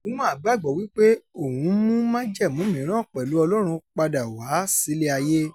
Ouma gbàgbọ́ wípé òun ń mú májẹ̀mú mìíràn pẹ̀lú Ọlọ́run padà wá sílé ayé.